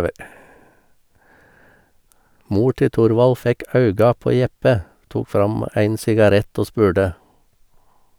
mor til Torvald fekk auga på Jeppe , tok fram ein sigarett, og spurde: